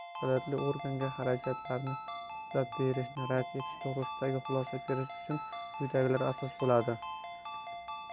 vakolatli organga xarajatlarni qoplab berilishini rad etish to'g'risida xulosa berish uchun quyidagilar asos bo'ladi